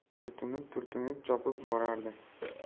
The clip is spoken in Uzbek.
turtinib turtinib chopib borardi